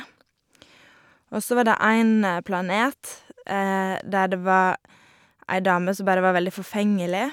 Og så var det en planet der det var ei dame som bare var veldig forfengelig.